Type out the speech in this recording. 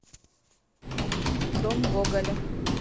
дом гоголя